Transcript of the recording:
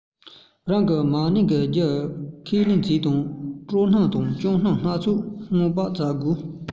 རང གི མ ནིང གི རྒྱུ ཁས ལེན བྱེད དང སྤྲོ སྣང དང སྐྱོ སྣང སྣ ཚོགས སྔོན དཔག བྱ དགོས